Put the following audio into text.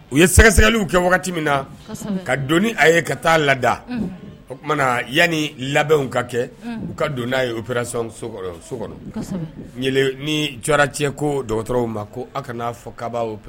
U ye sɛgɛsɛgɛliw kɛ wagati min na ka don a ye ka taa laada o tumana yanani labɛnw ka kɛ u ka don'a ye u pson so so kɔnɔ ni c cɛ ko dɔgɔtɔrɔw ma ko aw kana n'a fɔ kababaa o pe